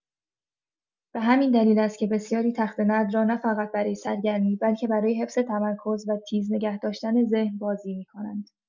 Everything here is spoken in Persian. به همین دلیل است که بسیاری تخته‌نرد را نه‌فقط برای سرگرمی، بلکه برای حفظ تمرکز و تیز نگه‌داشتن ذهن بازی می‌کنند.